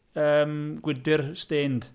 Yym gwydr stained.